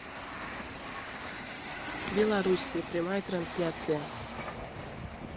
белоруссия прямая трансляция